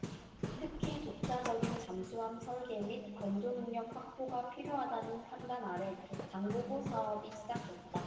특히 독자적인 잠수함 설계 및 건조 능력 확보가 필요하다는 판단아래 장보고 사업이 시작됐다